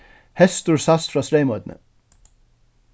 hestur sæst frá streymoynni